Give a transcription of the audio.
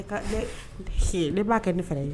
Ka ne b'a kɛ ne fara ye